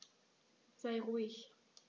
Sei ruhig.